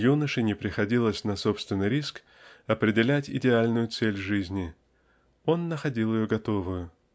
юноше не приходилось на собственный риск определять идеальную цель жизни он находил ее готовою.